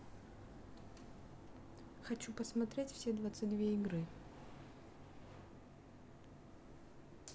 хочу посмотреть все двадцать две игры